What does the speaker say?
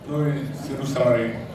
Too ye se sara ye